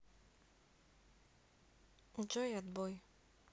джой отбой